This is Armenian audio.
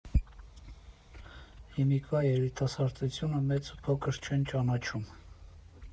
Հիմիկվա երիտասարդությունը մեծ ու փոքր չեն ճանաչում։